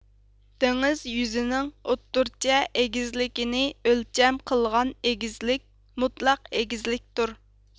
دېڭىز يۈزىنىڭ ئوتتۇرىچە ئېگىزلىكىنى ئۆلچەم قىلغان ئېگىزلىك مۇتلەق ئېگىزلىكتۇر